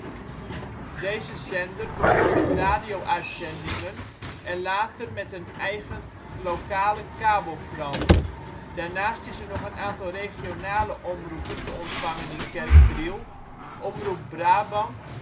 Deze zender begon met radio-uitzendingen en later met een eigen lokale kabelkrant. Daarnaast is er nog een aantal regionale omroepen te ontvangen in Kerkdriel: Omroep Brabant